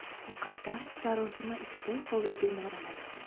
muqaddam sarosima ichida hovliga mo'raladi